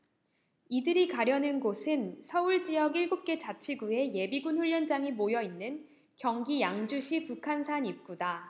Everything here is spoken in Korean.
이들이 가려는 곳은 서울 지역 일곱 개 자치구의 예비군 훈련장이 모여 있는 경기 양주시 북한산 입구다